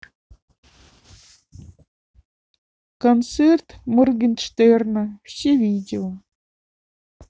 концерт моргенштерна все видео